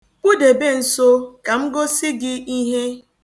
Kpụdebe nso ka m gosị gị ihe.